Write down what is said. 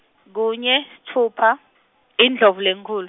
kunye, sitfupha, Indlovulenkhulu.